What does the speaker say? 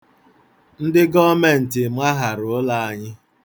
Ndị gọọmentị mahara ụlọ anyị.